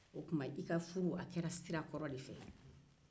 o tuma i ka furu kɛra sira kɔrɔ de fɛ